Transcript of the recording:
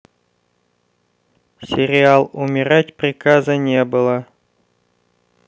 сериал умирать приказа не было